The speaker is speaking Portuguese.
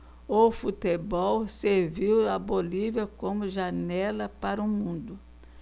o futebol serviu à bolívia como janela para o mundo